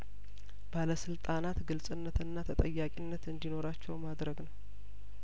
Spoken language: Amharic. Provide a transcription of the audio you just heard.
ባለስልጣናት ግልጽነትና ተጠያቂነት እንዲ ኖራቸው ማድረግ ነው